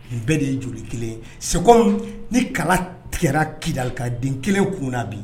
Nin bɛɛ de ye joli kelen ye c'est come ni kala tigɛra Kiidaika den 1 Kun na na bi